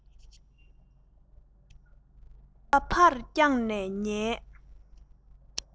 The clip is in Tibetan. ལག པ ཕར བརྐྱངས ནས ཉལ